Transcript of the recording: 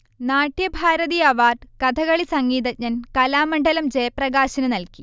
Natyabharati award Kathakali സംഗീതജ്ഞൻ കലാമണ്ഡലം ജയപ്രകാശിന് നൽകി